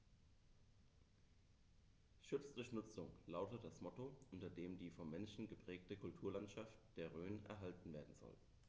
„Schutz durch Nutzung“ lautet das Motto, unter dem die vom Menschen geprägte Kulturlandschaft der Rhön erhalten werden soll.